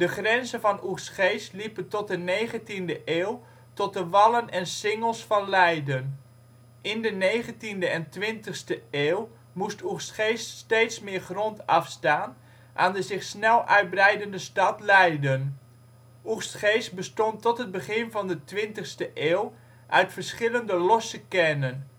grenzen van Oegstgeest liepen tot de negentiende eeuw tot de wallen en singels van Leiden. In de negentiende en twintigste eeuw moest Oegstgeest steeds meer grond afstaan aan de zich snel uitbreidende stad Leiden. Oegstgeest bestond tot het begin van de twintigste eeuw uit verschillende losse kernen